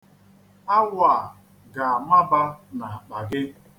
Awọ a ga-amaba n'akpa gị.